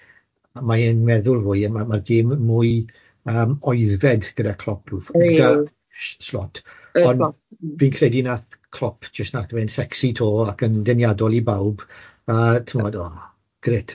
mae e'n meddwl fwy a ma' ma'r dîm mwy yym oeddfed gyda Klopp rw ff- Slot ond fi'n credu nath Klopp jyst nath e fe'n sexy to ac yn deniadol i bawb a ti'mod o grêt.